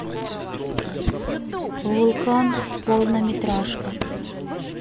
вулкан полнометражка